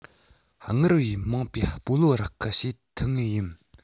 སྔར བས མང པའི སྤོ ལོ རུ ཁག བྱེད ཐུབ ངེས ཡིན